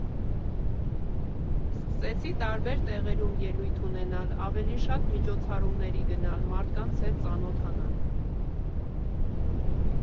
Սկսեցի տարբեր տեղերում ելույթ ունենալ, ավելի շատ միջոցառումների գնալ, մարդկանց հետ ծանոթանալ։